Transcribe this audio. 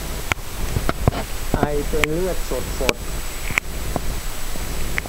ไอเป็นเลือดสดสด